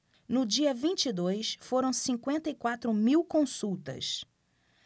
no dia vinte e dois foram cinquenta e quatro mil consultas